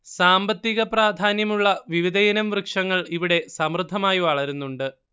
സാമ്പത്തിക പ്രാധാന്യമുള്ള വിവിധയിനം വൃക്ഷങ്ങൾ ഇവിടെ സമൃദ്ധമായി വളരുന്നുണ്ട്